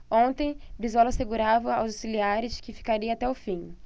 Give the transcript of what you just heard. ontem brizola assegurava aos auxiliares que ficaria até o fim